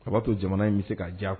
Bababaa to jamana in bɛ se ka diya